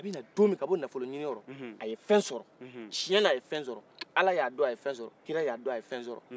a bɛna don min kabɔ nafolo ɲinin yɔrɔ a ye fɛ sɔrɔ ciyɛna a fɛ sɔrɔ ala y'a don a ye fɛ sɔrɔ kira y'a don a ye fɛ sɔrɔ